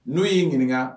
N' y'i ɲininka